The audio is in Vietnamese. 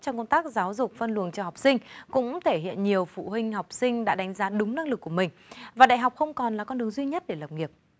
cho công tác giáo dục phân luồng cho học sinh cũng thể hiện nhiều phụ huynh học sinh đã đánh giá đúng năng lực của mình vào đại học không còn là con đường duy nhất để lập nghiệp